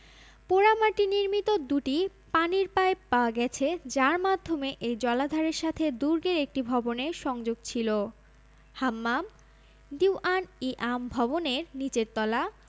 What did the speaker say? পোড়ামাটি নির্মিত দুটি পানির পাইপ পাওয়া গেছে যার মাধ্যমে এই জলাধারের সাথে দুর্গের একটি ভবনের সংযোগ ছিল হাম্মাম দীউয়ান ই আম ভবনের নীচের তলা